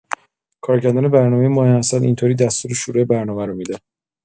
کارگردان برنامۀ ماه‌عسل اینطوری دستور شروع برنامه رو می‌ده!